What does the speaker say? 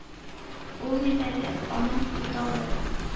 Ал медале аның путаллы,